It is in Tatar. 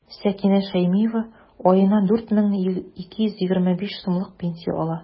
Сәкинә Шәймиева аена 4 мең 225 сумлык пенсия ала.